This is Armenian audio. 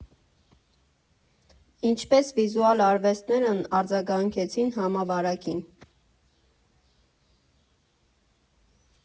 Ինչպես վիզուալ արվեստներն արձագանքեցին համավարակին։